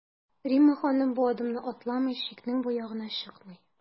Римма ханым ул адымны атламый, чикнең бу ягына чыкмый.